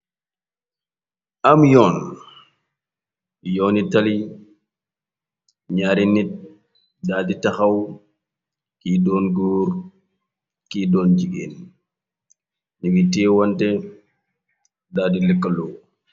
Am yoon, yooni tali ñaari nit daldi taxaw kii doon gór ki doon jigeen ni ngi teyeh wante dal dii lekkalo.